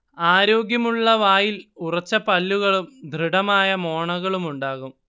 ആരോഗ്യമുള്ള വായിൽ ഉറച്ച പല്ലുകളും ദൃഢമായ മോണകളുമുണ്ടാകും